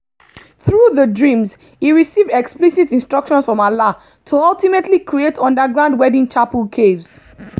Through the dreams, he received explicit instructions from Allah to ultimately create underground wedding chapel caves.